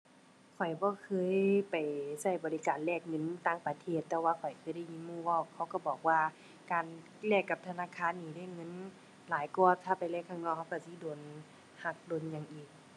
ข้อยบ่เคยไปใช้บริการแลกเงินต่างประเทศ แต่ว่าข้อยเคยได้ยินหมู่เว้าเขาใช้บอกว่าการแลกกับธนาคารนี่ได้เงินหลายกว่า ถ้าไปแลกข้างนอกใช้ใช้สิโดนหัก โดนหยังอีก